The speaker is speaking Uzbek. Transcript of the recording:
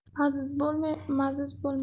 aziz bo'lmay maziz bo'lmas